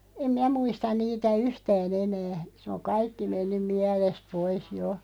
en minä muista niitä yhtään enää se on kaikki mennyt mielestä pois jo